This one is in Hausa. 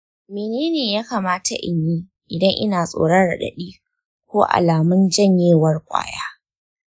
menene ya kamata in yi idan ina tsoron raɗaɗi ko alamun janyewar ƙwaya?